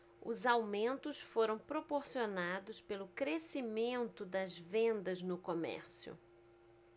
os aumentos foram proporcionados pelo crescimento das vendas no comércio